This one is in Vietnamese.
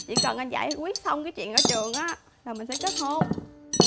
chỉ cần anh giải quyết xong cái chuyện ở trường á là mình sẽ kết hôn